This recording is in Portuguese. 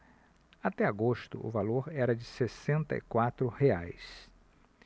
até agosto o valor era de sessenta e quatro reais